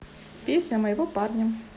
песня о моего парня